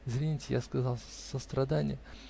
Извините, я сказал сострадание.